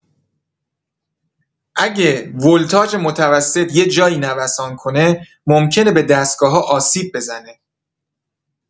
اگه ولتاژ متوسط یه جایی نوسان کنه، ممکنه به دستگاه‌ها آسیب بزنه.